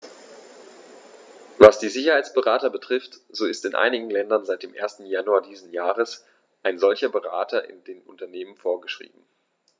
Was die Sicherheitsberater betrifft, so ist in einigen Ländern seit dem 1. Januar dieses Jahres ein solcher Berater in den Unternehmen vorgeschrieben.